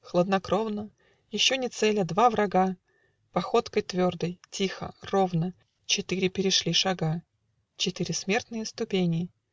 Хладнокровно, Еще не целя, два врага Походкой твердой, тихо, ровно Четыре перешли шага, Четыре смертные ступени.